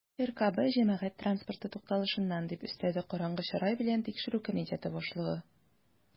"ркб җәмәгать транспорты тукталышыннан", - дип өстәде караңгы чырай белән тикшерү комитеты башлыгы.